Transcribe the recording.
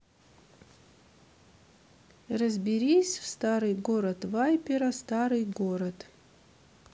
разберись в старый город вайпера старый город